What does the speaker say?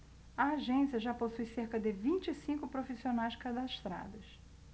a agência já possui cerca de vinte e cinco profissionais cadastrados